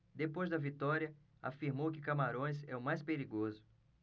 depois da vitória afirmou que camarões é o mais perigoso